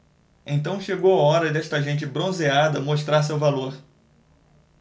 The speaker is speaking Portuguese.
então chegou a hora desta gente bronzeada mostrar seu valor